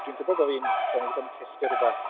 Dwi'n gwbod bo' fi'n... dan ni 'di bod yn testio rywbeth...